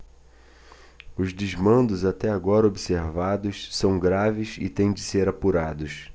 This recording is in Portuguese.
os desmandos até agora observados são graves e têm de ser apurados